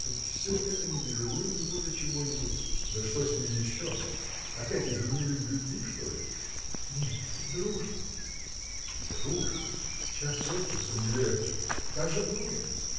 чтоб все это не довело его до чего-нибудь. – Да что с ним еще? Опять изменили в любви, что ли? – Нет, в дружбе. – В дружбе! час от часу не легче! Как же в дружбе?